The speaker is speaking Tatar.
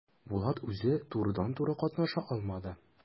Булат үзе турыдан-туры катнаша алмады.